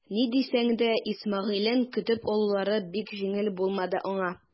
Ни дисәң дә Исмәгыйлен көтеп алулары җиңел булмады аңа.